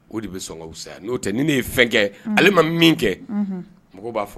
O de bɛ sɔn sa n'o tɛ ni ne ye fɛn kɛ ale ma min kɛ mɔgɔ b'a fɔ